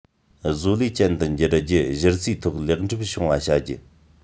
བཟོ ལས ཅན དུ འགྱུར རྒྱུ གཞི རྩའི ཐོག ལེགས གྲུབ བྱུང བ བྱ རྒྱུ